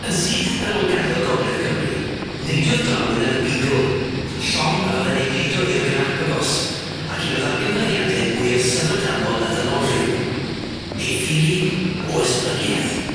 Yn syth ar ôl gad'el gogledd Cymru, neidiodd Darwin ar y Beagle, llong a fyddai'n ei gludo i'r Galapagos ac un o ddarganfyddiade mwyaf syfrdanol y ddynol rhyw, ei theori o esblygieth.